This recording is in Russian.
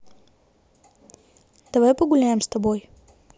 давай погуляем с тобой